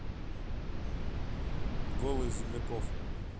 голые земляков